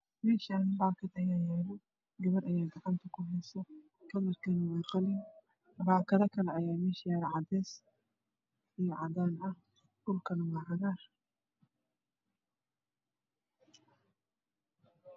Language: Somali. Meeshaan baakad ayaa yaalo gabar ayaa gacanta ku heyso kalarkuna waa qalin. Baakado kale ayaa meesha yaalo oo cadeys iyo cadaan ah, dhulkuna waa cagaar.